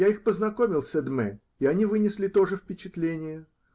я их познакомил с Эдмэ, и они вынесли тоже впечатление.